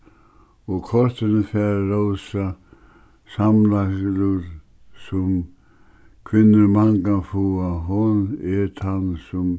og kortini fær rósa sum kvinnur mangan fáa hon er tann sum